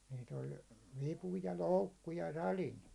niitä oli vipu ja loukku ja sadin